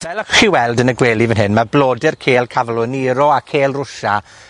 Fel allwch ch weld yn y gwely fan hyn, ma' blode'r cêl Cavelo Nero a cêl Rwsia